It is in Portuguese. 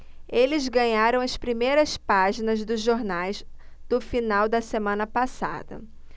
eles ganharam as primeiras páginas dos jornais do final da semana passada